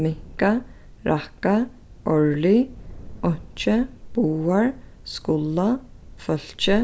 minka rakka árlig einki báðar skula fólki